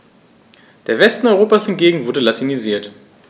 Der Westen Europas hingegen wurde latinisiert.